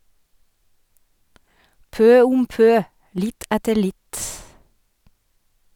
PØ OM PØ - litt etter litt.